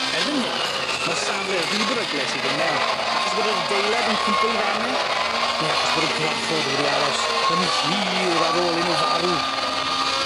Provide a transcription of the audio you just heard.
Erbyn hyn, ma'r safre ry beryglus i fyn' mewn, achos bod yr adeilad yn cwmpo i ddarne, neu achos bod y gwrachod wedi aros yn hir ar ôl i nw farw?